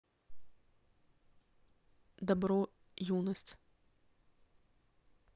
добро юность